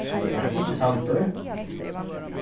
ert tú ikki samdur